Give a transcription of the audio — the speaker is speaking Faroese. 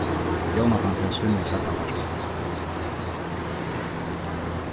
jónatan fer at svimja seinnapartin